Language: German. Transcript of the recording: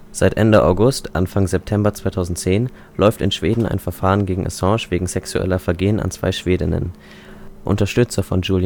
Seit Ende August / Anfang September 2010 läuft in Schweden ein Verfahren gegen Assange wegen sexueller Vergehen an zwei Schwedinnen. Unterstützer Assanges